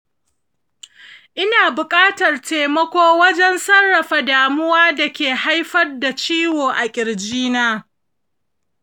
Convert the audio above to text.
ina buƙatar taimako wajen sarrafa damuwa da ke haifar da ciwo a kirjina.